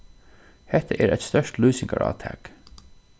hetta er eitt stórt lýsingarátak